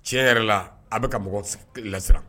Tiɲɛ yɛrɛ la a bɛka ka mɔgɔ lasirara